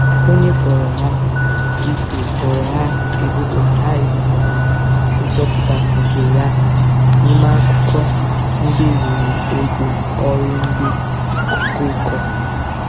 Onye kpọrọ ha ikpe boro ha ebubo na ha ebiputara nchọpụta nke ya n'ime akwụkwọ ndị riri ego ọrụ ndị cocoa-coffee.